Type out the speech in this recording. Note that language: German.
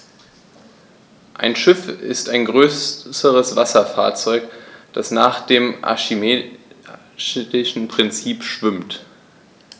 Ein Schiff ist ein größeres Wasserfahrzeug, das nach dem archimedischen Prinzip schwimmt.